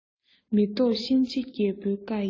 མི བཟློག གཤིན རྗེ རྒྱལ པོའི བཀའ ཡིག